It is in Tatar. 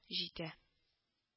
Җитә